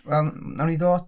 Wel nawn ni ddod.